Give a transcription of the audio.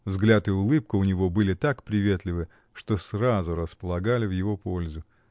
Взгляд и улыбка у него были так приветливы, что сразу располагали в его пользу.